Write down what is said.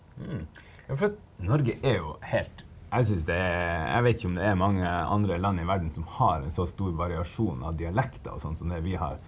ja for at Norge er jo helt jeg synes det er jeg vet ikke om det er mange andre land i verden som har så stor variasjon av dialekter sånn som det vi har.